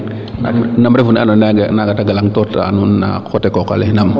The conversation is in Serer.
nam refu na ando naye naaga te galang koor ta nuun na coté qoxa le